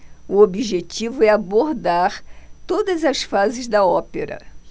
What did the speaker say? o objetivo é abordar todas as fases da ópera